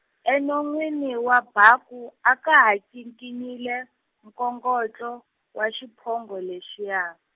enonweni wa baku a ka ha ncikinyile, nkongotlo, wa xiphongo lexiya.